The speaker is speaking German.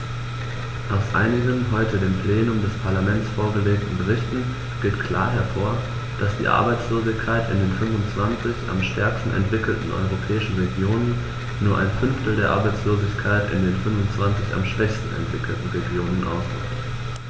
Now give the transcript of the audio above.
Aus einigen heute dem Plenum des Parlaments vorgelegten Berichten geht klar hervor, dass die Arbeitslosigkeit in den 25 am stärksten entwickelten europäischen Regionen nur ein Fünftel der Arbeitslosigkeit in den 25 am schwächsten entwickelten Regionen ausmacht.